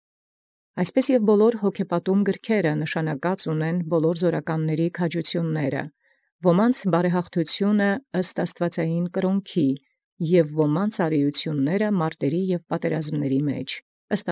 Սոյն աւրինակ և ամենայն գիրք հոգեպատումք նշանակեալ ունին զքաջութիւնս ամենայն զաւրաց. զոմանց՝ ըստ աստուածեղէն կրաւնիցն զբարեյաղթութիւն, և զոմանց՝ ըստ աշխարհակիր կարգաց զմարտից և զպատերազմաց։